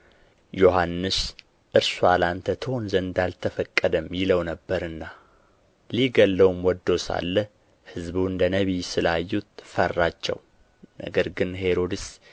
ዮሐንስ እርስዋ ለአንተ ትሆን ዘንድ አልተፈቀደም ይለው ነበርና ሊገድለውም ወዶ ሳለ ሕዝቡ እንደ ነቢይ ስለ አዩት ፈራቸው ነገር ግን ሄሮድስ